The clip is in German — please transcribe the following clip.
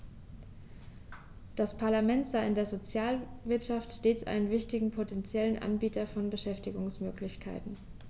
Das Parlament sah in der Sozialwirtschaft stets einen wichtigen potentiellen Anbieter von Beschäftigungsmöglichkeiten.